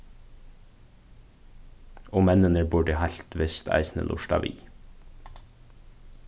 og menninir burdu heilt vist eisini lurtað við